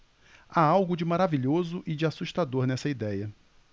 há algo de maravilhoso e de assustador nessa idéia